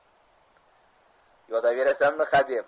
yotaverasanmi hadeb